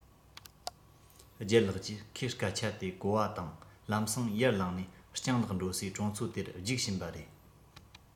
ལྗད ལགས ཀྱིས ཁོའི སྐད ཆ དེ གོ བ དང ལམ སེང ཡར ལངས ནས སྤྱང ལགས འགྲོ སའི གྲོང ཚོ དེར རྒྱུགས ཕྱིན པ རེད